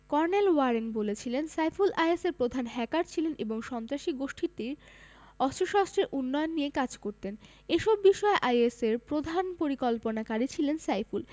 colonel Warren বলেছিলেন সাইফুল আইএসের প্রধান হ্যাকার ছিলেন এবং সন্ত্রাসী গোষ্ঠীটির অস্ত্রশস্ত্রের উন্নয়ন নিয়ে কাজ করতেন এসব বিষয়ে আইএসের প্রধান পরিকল্পনাকারী ছিলেন সাইফুল